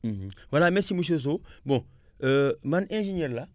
voilà merci monsieur Sow bon man ingénieur laa